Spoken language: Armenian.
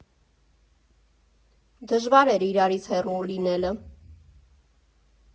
Դժվար էր իրարից հեռու լինելը.